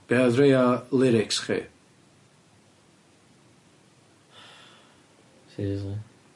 Be' o'dd rei o lyrics chi? Seriously?